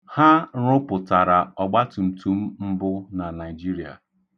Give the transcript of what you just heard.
Ha rụputara ọgbatumtum mbụ na Naịjirịa.